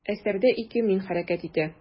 Әсәрдә ике «мин» хәрәкәт итә.